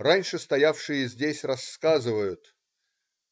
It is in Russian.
Раньше стоявшие здесь рассказывают: